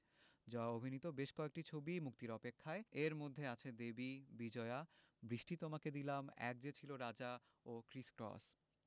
জয়া অভিনীত বেশ কয়েকটি ছবি মুক্তির অপেক্ষায় এর মধ্যে আছে দেবী বিজয়া বৃষ্টি তোমাকে দিলাম এক যে ছিল রাজা ও ক্রিস ক্রস